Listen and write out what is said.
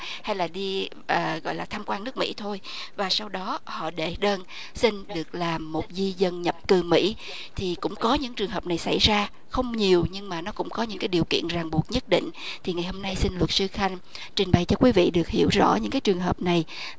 hay là đi à gọi là tham quan nước mỹ thôi và sau đó họ đệ đơn xin được làm một di dân nhập cư mỹ thì cũng có những trường hợp này xảy ra không nhiều nhưng mà nó cũng có những cái điều kiện ràng buộc nhất định thì ngày hôm nay xin luật sư khanh trình bày cho quý vị được hiểu rõ những cái trường hợp này